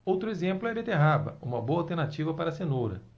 outro exemplo é a beterraba uma boa alternativa para a cenoura